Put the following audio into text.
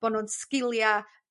Bo'n nw'n sgilia